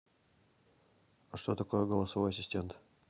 а что такое голосовой ассистент